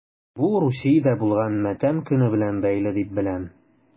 Бу Русиядә булган матәм көне белән бәйле дип беләм...